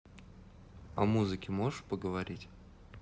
о музыке можешь поговорить